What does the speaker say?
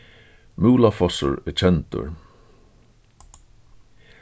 múlafossur er kendur